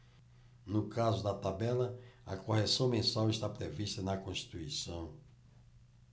no caso da tabela a correção mensal está prevista na constituição